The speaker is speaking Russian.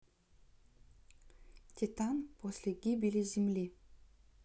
титан после гибели земли